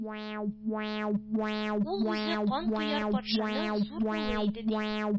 Ул үзе Канкояр патшаның зур улы иде, ди.